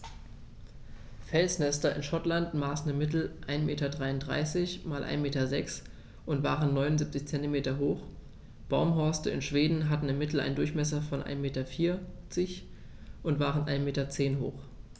Felsnester in Schottland maßen im Mittel 1,33 m x 1,06 m und waren 0,79 m hoch, Baumhorste in Schweden hatten im Mittel einen Durchmesser von 1,4 m und waren 1,1 m hoch.